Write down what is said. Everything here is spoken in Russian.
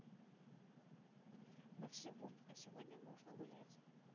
на всего а сегодня можно гулять